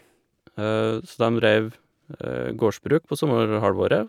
Så dem dreiv gårdsbruk på sommerhalvåret.